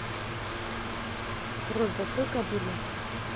рот закрой кобыла